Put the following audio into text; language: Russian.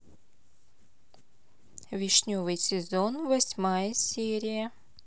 вишневый сезон восьмая серия